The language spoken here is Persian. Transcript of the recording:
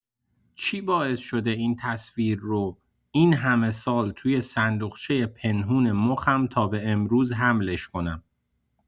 چی باعث شده این تصویر رو، این همه سال، توی صندوقچۀ پنهون مخم تا به امروز حملش کنم؟